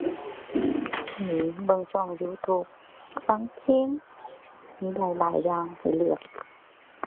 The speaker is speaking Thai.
นี้เบิ่งช่อง YouTube ฟังเพลง มีหลายหลายอย่างให้เลือก